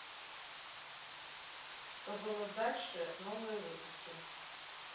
что было дальше новые выпуски